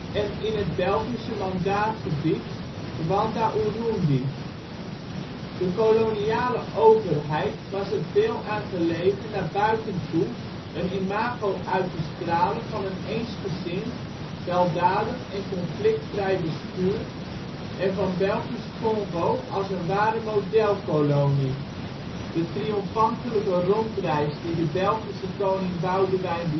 en in het Belgische mandaatgebied Ruanda-Urundi. De koloniale overheid was er veel aan gelegen naar buiten toe een imago uit te stralen van een eensgezind, weldadig en conflictvrij bestuur, en van Belgisch-Kongo als een ware ' modelkolonie '. De triomfantelijke rondreis die de Belgische koning Boudewijn